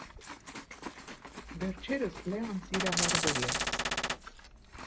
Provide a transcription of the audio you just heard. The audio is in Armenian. Վերջերս Լեան սիրահարվել է։